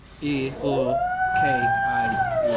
IL KIE.